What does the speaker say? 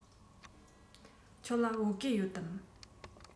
ཁྱོད ལ བོད གོས ཡོད དམ